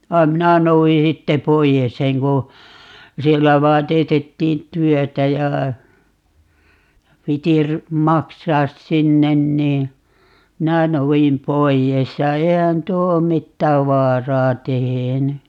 vaan minä noudin sitten pois sen kun siellä vain teetettiin työtä ja piti - maksaa sinne niin minä noudin pois ja eihän tuo ole mitään vaaraa tehnyt